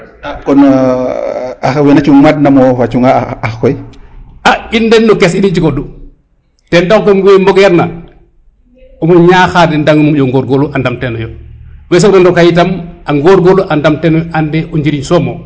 a we na cung mad a mofa cunga ax koy a in de no caisse in i njiko du ten atxu koy we mbogeer na im ñaxa den de moƴo ngorngorlu a ndam tenoyo we soog na ndoka yitam a ngorngorlu a ndam ten a ande o njiriñsomo